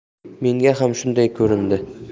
menga ham shunday ko'rindi